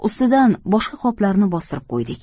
ustidan boshqa qoplarni bostirib qo'ydik